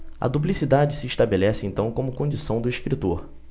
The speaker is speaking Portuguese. a duplicidade se estabelece então como condição do escritor